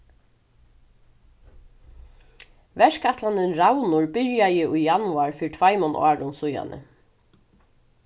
verkætlanin ravnur byrjaði í januar fyri tveimum árum síðani